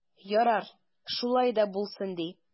Ярар, шулай да булсын ди.